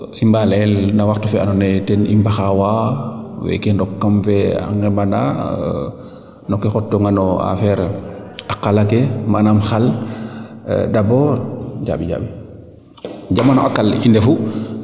i mbaa leyel no waxtu fee ando naye ten i mbaxawa weeke ndok kam fee a ngemandaa no ke xotoona no affaire a qala ke manaam xal d' abord jaambi jaambi jamano a qal o ndefu